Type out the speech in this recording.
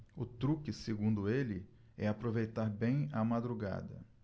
o truque segundo ele é aproveitar bem a madrugada